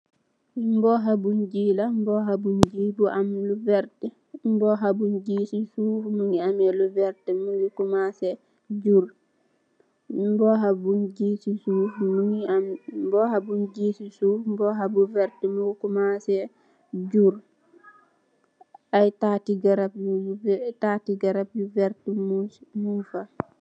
Mbaho buny gii la. Mboha buny gii bu am lu vertt, mboha bunny gii si souf mungi ameh lu vertt mungi kumaseh jurr. Mboha buny gii si souf mboha bu vertt mungi kumaseh jurr ayy tatti garab nyu vertt